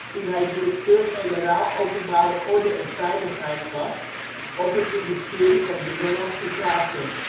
toen hij directeur-generaal Openbare Orde en Veiligheid was op het ministerie van Binnenlandse Zaken